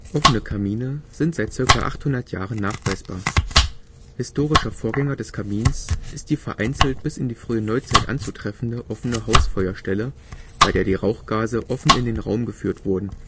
Offene Kamine sind seit ca. 800 Jahren nachweisbar. Historischer Vorgänger des Kamins ist die vereinzelt bis in die frühe Neuzeit anzutreffende offene Hausfeuerstelle, bei der die Rauchgase offen in den Raum geführt wurden